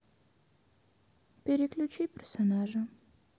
переключи персонажа